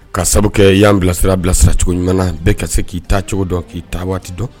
Ka sababu kɛ y'an bilasira bilasira cogo ɲuman na bɛɛ ka k'i ta cogo dɔn k'i ta waati dɔn